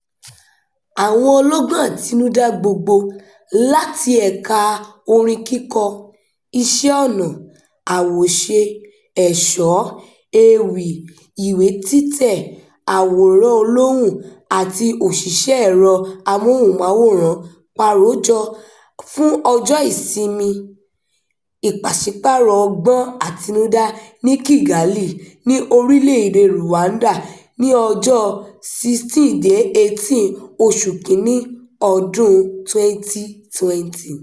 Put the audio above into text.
Àwọn ọlọ́gbọ́n àtinudá gbogbo láti ẹ̀ka orin kíkọ, iṣẹ́ ọnà, àwòṣe, ẹ̀ṣọ́, ewì, ìwé títẹ̀, àwòrán-olóhùn àti òṣìṣẹ́ ẹ̀rọ amóhùnmáwòràn parojọ fún Ọjọ́ Ìsinmi Ìpàṣípààrọ̀ Ọgbọ́n Àtinudá ní Kigali, ní orílẹ̀-èdèe Rwanda, ní ọjọ́ 16-18 oṣù kìíní, Ọdún-un 2020.